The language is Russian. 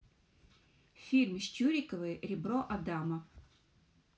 фильм с чуриковой ребро адама